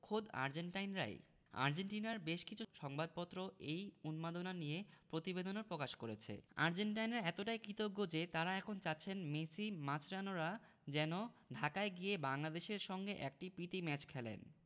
খোদ আর্জেন্টাইনরাই আর্জেন্টিনার বেশ কিছু সংবাদপত্র এই উন্মাদনা নিয়ে প্রতিবেদনও প্রকাশ করেছে আর্জেন্টাইনরা এতটাই কৃতজ্ঞ যে তাঁরা এখন চাচ্ছেন মেসি মাচেরানোরা যেন ঢাকায় গিয়ে বাংলাদেশের সঙ্গে একটি প্রীতি ম্যাচ খেলেন